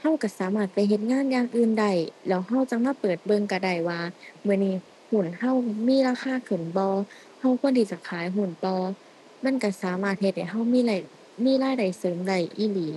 เราเราสามารถไปเฮ็ดงานอย่างอื่นได้ แล้วเราจั่งมาเปิดเบิ่งเราได้ว่ามื้อนี้หุ้นเรามีราคาขึ้นบ่ เราควรที่จะขายหุ้นบ่ มันเราสามารถเฮ็ดให้เรามีไล่ มีรายได้เสริมได้อีหลี